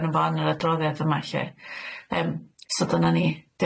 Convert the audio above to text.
arno fo yn yr adroddiad yma 'lly yym so dyna ni.